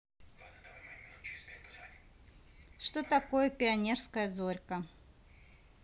что такое пионерская зорька